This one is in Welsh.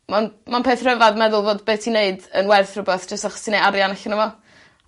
ma'n ma'n peth rhyfadd meddwl fod beth ti'n neud yn werth rhywbath jyst achos ti'n neu' arian allan o fo.